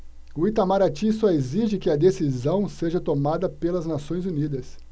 o itamaraty só exige que a decisão seja tomada pelas nações unidas